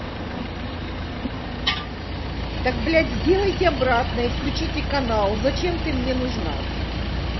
так блядь сделайте обратно и включите канал зачем ты мне нужна